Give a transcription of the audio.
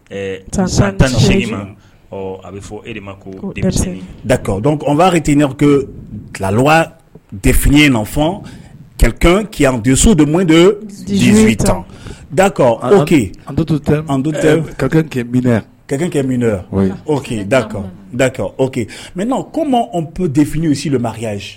Ɛɛ san tan a bɛ fɔ e de ma ko dakɔ dɔn an b'a tɛkɛ kilowa defiɲɛ in na fɔ ka ke so de minnu de dakɔ ka kɛ minya o da kan da oke mɛ ko maa anwp defini silomaya ye